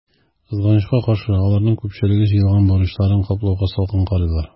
Кызганычка каршы, аларның күпчелеге җыелган бурычларын каплауга салкын карыйлар.